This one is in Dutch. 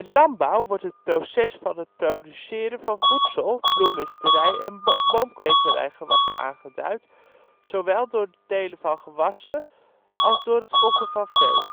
landbouw wordt het proces van het produceren van voedsel, bloemisterij - en boomkwekerijgewassen aangeduid, zowel door het telen van gewassen als door het fokken van vee